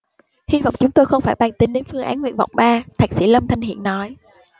hy vọng chúng tôi không phải bàn tính đến phương án nguyện vọng ba thạc sỹ lâm thanh hiển nói